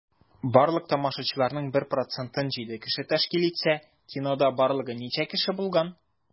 Барлык тамашачыларның 1 процентын 7 кеше тәшкил итсә, кинода барлыгы ничә кеше булган?